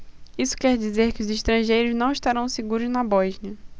isso quer dizer que os estrangeiros não estarão seguros na bósnia